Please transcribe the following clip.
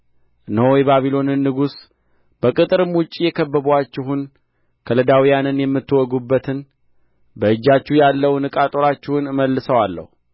እነሆ የባቢሎንን ንጉሥ በቅጥርም ውጭ የከበቡአችሁን ከለዳውያንን የምትወጉበትን በእጃችሁ ያለውን ዕቃ ጦራችሁን እመልሰዋለሁ